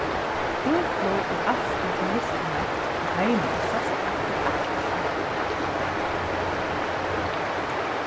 hugflog og alskur til listina og heimin sást aftur allastaðni